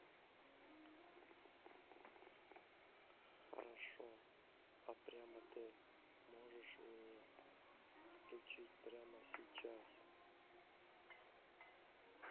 хорошо а прямо ты можешь мне включить прямо сейчас